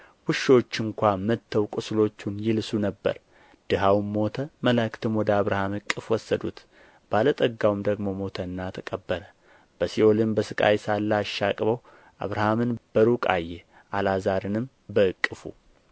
ውሾች እንኳ መጥተው ቍስሎቹን ይልሱ ነበር ድሀውም ሞተ መላእክትም ወደ አብርሃም እቅፍ ወሰዱት ባለ ጠጋው ደግሞ ሞተና ተቀበረ በሲኦልም በሥቃይ ሳለ አሻቅቦ አብርሃምን በሩቅ አየ አልዓዛርንም በእቅፉ